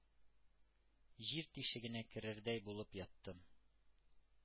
Җир тишегенә керердәй булып яттым...